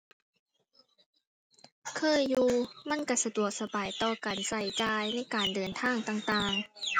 เคยอยู่ มันก็สะดวกสบายต่อการก็จ่ายในการเดินทางต่างต่าง